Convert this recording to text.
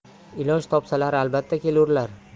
iloj topsalar albatta kelurlar